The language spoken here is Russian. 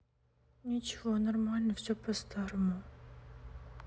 ничего нормально все по старому